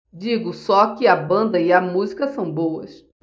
digo só que a banda e a música são boas